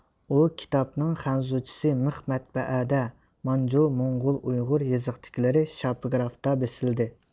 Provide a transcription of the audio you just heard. ئۇ كىتاپنىڭ خەنزۇچىسى مىخ مەتبەئەدە مانجۇ موڭغۇل ئۇيغۇر يېزىقتىكىلىرى شاپىگرافتا بېسىلدى